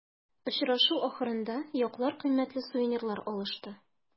Очрашу ахырында яклар кыйммәтле сувенирлар алышты.